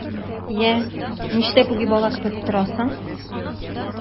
Йә, нишләп үги бала кебек торасың?